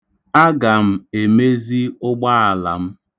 Aga m emezi ụgbaala m.